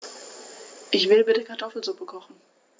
Ich will bitte Kartoffelsuppe kochen.